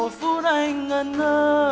một phút anh ngẩn ngơ